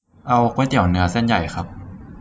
เอาก๋วยเตี๋ยวเนื้อเส้นใหญ่ครับ